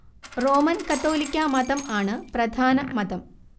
Roman‍ കത്തോലിക്കാ മതം ആണ് പ്രധാന മതം